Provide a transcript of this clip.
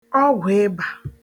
̀ọgwụ̀ịbà